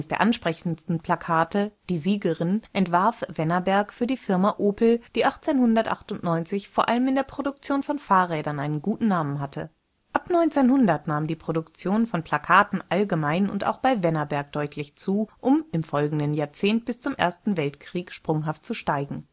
ansprechendsten Plakate „ Die Siegerin “entwarf Wennerberg für die Firma Opel, die 1898 vor allem in der Produktion von Fahrrädern einen guten Namen hatte. Ab 1900 nahm die Produktion von Plakaten allgemein und auch bei Wennerberg deutlich zu, um im folgenden Jahrzehnt bis zum Ersten Weltkrieg sprunghaft zu steigen